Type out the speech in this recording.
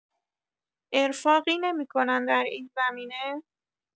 ارفاقی نمی‌کنن در این زمینه؟